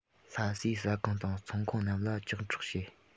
ལྷ སའི ཟ ཁང དང ཚོང ཁང རྣམས ལ ཇག འཕྲོག བྱས